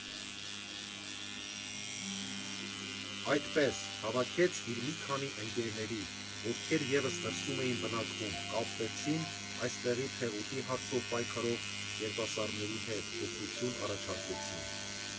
Այդպես, հավաքեց իր մի քանի ընկերների, ովքեր ևս դրսում էին բնակվում, կապվեցին այստեղի Թեղուտի հարցով պայքարող երիտասարդների հետ, օգնություն առաջարկեցին։